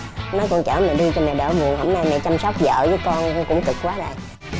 nói con chở mẹ đi cho mẹ đỡ buồn hôm nay mẹ chăm sóc vợ với con cũng cực quá à